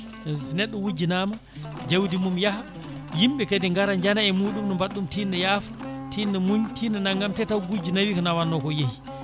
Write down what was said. so neɗɗo wujjanama jawdi mum yaaha yimɓe kadi gaara jana e muɗum ne mbaɗa ɗum tinno yaafo tinno muñ tinno naggam te taw gujjo nawi ko nawanno o yeehi